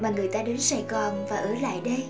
mà người ta đến sài gòn và ở lại đây